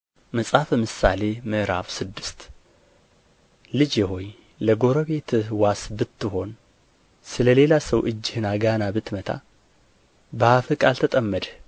መጽሐፈ ምሳሌ ምዕራፍ ስድስት ልጄ ሆይ ለጎረቤትህ ዋስ ብትሆን ስለ ሌላ ሰው እጅህን አጋና ብትመታ በአፍህ ቃል ተጠመድህ